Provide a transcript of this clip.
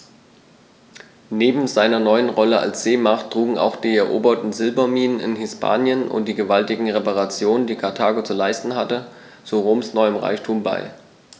Neben seiner neuen Rolle als Seemacht trugen auch die eroberten Silberminen in Hispanien und die gewaltigen Reparationen, die Karthago zu leisten hatte, zu Roms neuem Reichtum bei.